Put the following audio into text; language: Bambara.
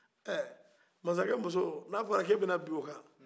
ɛ masakɛmuso ni a fɔra ko e bɛna bin o kan